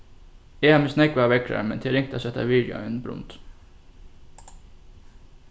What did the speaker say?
eg havi mist nógvar veðrar men tað er ringt at seta virðið á ein brund